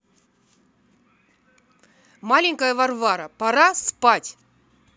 маленькая варвара пора спать